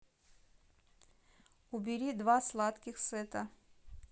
убери два сладких сета